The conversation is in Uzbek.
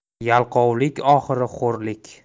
yalqovlik oxiri xo'rlik